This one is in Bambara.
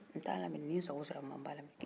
n t'a laminɛ ni n sago sera tuma min n b'a laminɛ